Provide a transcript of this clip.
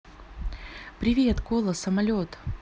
привет кола самолет